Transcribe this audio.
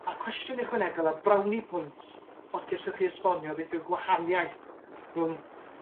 A cwestiwn ychwanegol a Brownie points os gellwch chi esbonio beth yw'r gwahaniaeth rhwng